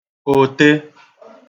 òte